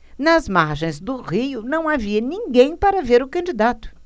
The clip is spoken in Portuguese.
nas margens do rio não havia ninguém para ver o candidato